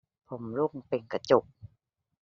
ผมร่วงเป็นกระจุก